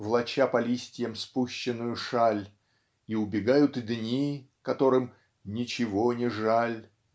влача по листьям спущенную шаль и убегают дни которым "ничего не жаль"